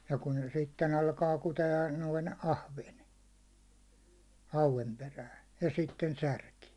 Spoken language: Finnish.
ja kun se sitten alkaa kutea noin ahven hauen perään ja sitten särki